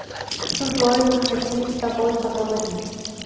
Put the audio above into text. чужой мы хотим с тобой поговорить